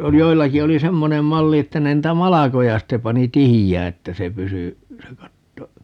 joillakin oli semmoinen malli että ne niitä malkoja sitten pani tiheään että se pysyi se katto